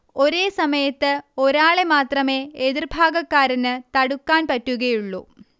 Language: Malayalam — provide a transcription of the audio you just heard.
ഒരേ സമയത്ത് ഒരാളെ മാത്രമേ എതിർഭാഗക്കാരന് തടുക്കാൻ പറ്റുകയുള്ളു